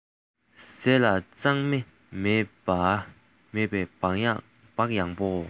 ཟས ལ གཙང སྨེ མེད པའི བག ཡངས པོ